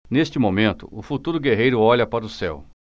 neste momento o futuro guerreiro olha para o céu